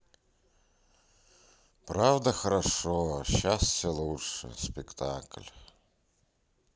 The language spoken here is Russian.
правда хорошо а счастье лучше спектакль